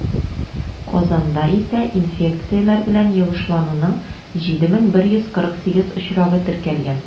Казанда исә инфекцияләр белән йогышлануның 7148 очрагы теркәлгән.